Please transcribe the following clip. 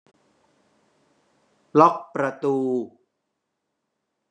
ล็อกประตู